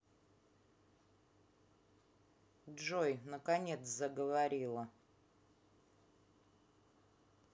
джой наконец заговорила